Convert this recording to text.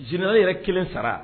Jna yɛrɛ kelen sara